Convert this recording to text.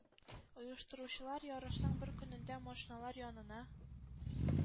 Оештыручылар ярышның бер көнендә машиналар янына